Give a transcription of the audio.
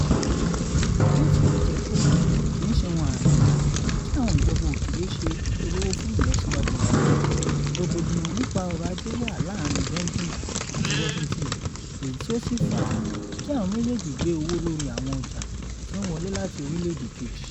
Bí ó tilẹ̀ jẹ́ kìí ṣe ohun àràmọ̀ndà kí àwọn ìjọba òkèèrè ṣe ìpolówó fún ìlọsíwájú ọrọ̀ ajé, rògbòdìyàn nípa ọrọ̀ ajé wà láàrin Beijing ati Washington, èyí tí ó sì fà á kí àwọn méjèèjì gbé owó lórí àwọn ọjà tí ó ń wọlé láti orílẹ̀èdè kejì.